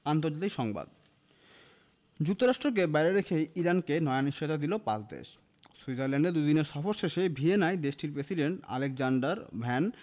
আন্তর্জাতিক সংবাদ যুক্তরাষ্ট্রকে বাইরে রেখেই ইরানকে নয়া নিশ্চয়তা দিল পাঁচ দেশ সুইজারল্যান্ডে দুদিনের সফর শেষে ভিয়েনায় দেশটির প্রেসিডেন্ট আলেক্সান্ডার ভ্যান